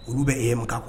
Olu bɛ e ye mun kuwa